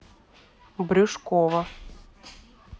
брюшкова